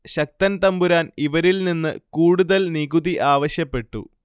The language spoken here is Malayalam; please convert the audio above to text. ശക്തന്‍ തമ്പുരാന്‍ ഇവരില്‍ നിന്ന് കൂടുതല്‍ നികുതി ആവശ്യപ്പെട്ടു